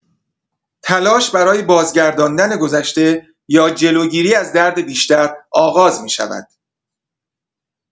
تلاش برای بازگرداندن گذشته یا جلوگیری از درد بیشتر آغاز می‌شود.